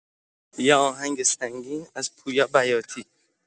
یه آهنگ سنگین از پویا بیاتی